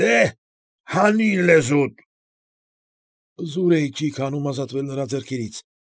Դե՜հ, հանիր լեզուդ… Զուր էի ճիգ անում ազատվել նրա ձեռքերից։